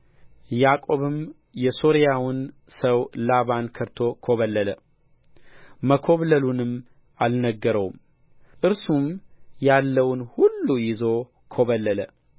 ያዕቆብም የሶርያውን ሰው ላባን ከድቶ ኮበለለ መኮብለሉንም አልነገረውም እርሱም ያለውን ሁሉ ይዞ ኮበለለ